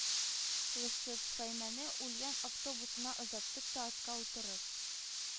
Лышып, фәймәне ульян автобусына озаттык та, атка утырып,